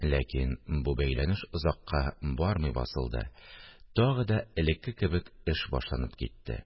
Ләкин бу бәйләнеш озакка бармый басылды, тагын да элекке кебек эш башланып китте